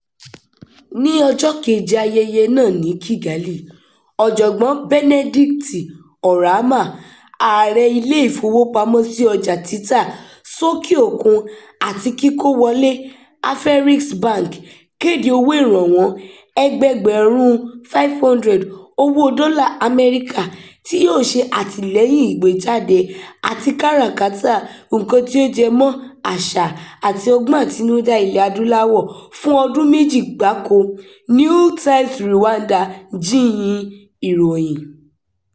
Ní ọjọ́ kejì ayẹyẹ náà ní Kigali, ọ̀jọ̀gbọ́n Benedict Oramah, ààrẹ Ilé-ìfowópamọ́sí Ọjà títa sókè òkun-àti-kíkó wọlé (Afreximbank) kéde owó ìrànwọ́ ẹgbẹẹgbẹ̀rún 500 owó dollar Amẹ́ríkà "tí yóò ṣe àtìlẹ́yìn ìgbéjáde àti káràkátà nǹkan tí ó jẹ mọ́ ti àṣà àti ọgbọ́n àtinudá Ilẹ̀-Adúláwọ̀ " fún ọdún méjì gbáko, New Times Rwanda jíyìn ìròhìn.